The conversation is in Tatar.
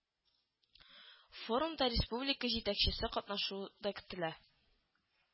Форумда Республика җитәкчесе катнашу да көтелә